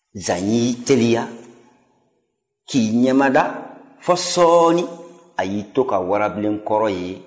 zan y'i teliya k'i ɲɛmada fɔ sɔɔni a y'i to ka warabilenkɔrɔ ye